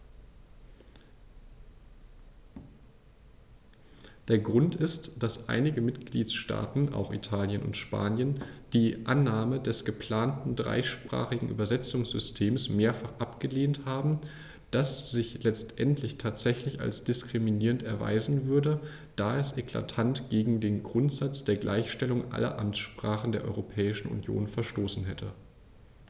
Der Grund ist, dass einige Mitgliedstaaten - auch Italien und Spanien - die Annahme des geplanten dreisprachigen Übersetzungssystems mehrfach abgelehnt haben, das sich letztendlich tatsächlich als diskriminierend erweisen würde, da es eklatant gegen den Grundsatz der Gleichstellung aller Amtssprachen der Europäischen Union verstoßen hätte.